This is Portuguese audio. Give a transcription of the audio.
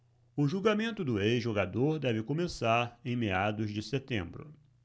o julgamento do ex-jogador deve começar em meados de setembro